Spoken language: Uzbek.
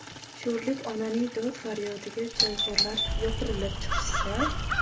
sho'rlik onaning dod faryodiga choyxo'rlar yopirilib chiqishsa